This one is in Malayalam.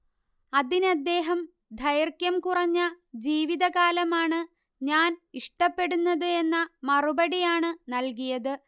അതിനദ്ദേഹം ദൈർഘ്യം കുറഞ്ഞ ജീവിതകാലമാണ് ഞാൻ ഇഷ്ടപ്പെടുന്നത് എന്ന മറുപടിയാണ് നൽകിയത്